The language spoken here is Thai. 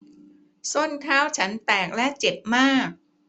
ส้นเท้าฉันแตกและเจ็บมาก